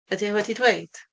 Ydy e wedi dweud?